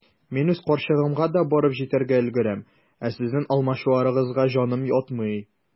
Мин үз карчыгымда да барып җитәргә өлгерәм, ә сезнең алмачуарыгызга җаным ятмый.